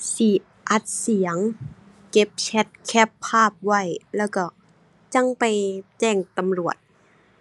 สิอัดเสียง เก็บแชต แคปภาพไว้ แล้วก็จั่งไปแจ้งตำรวจ